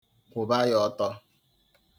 Kwụba ya ọtọ.